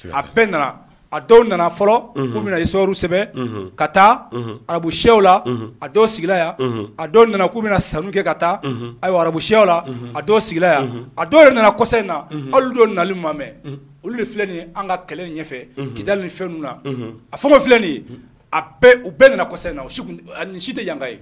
A bɛɛ nana a dɔw nana fɔlɔu i seuru sɛbɛ ka taa arabusiw la a dɔw sigila a dɔw nana k'u bɛna sanu kɛ ka taa a arabusiw la a dɔw sigila yan a dɔw yɛrɛ nana kɔsa in na hali don nana mamɛ olu de filɛ nin an ka kɛlɛ ɲɛfɛ kida ni fɛnun na a fɔ ma filɛ bɛɛ nana in na si tɛ yanka ye